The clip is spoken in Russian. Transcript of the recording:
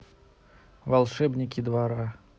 волшебники двора